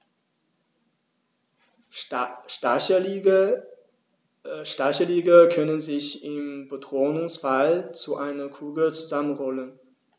Stacheligel können sich im Bedrohungsfall zu einer Kugel zusammenrollen.